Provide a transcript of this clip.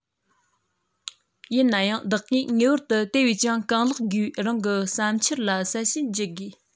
ཡིན ནའང བདག གིས ངེས པར དུ དེ བས ཀྱང གང ལེགས སྒོས རང གི བསམ འཆར ལ གསལ བཤད བགྱི དགོས